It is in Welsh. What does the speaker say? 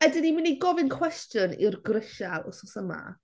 Ydyn ni'n mynd i gofyn cwestiwn i'r grisial wythnos yma?